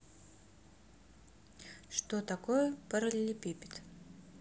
что такое паралелипипед